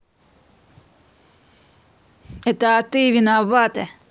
это ты виновата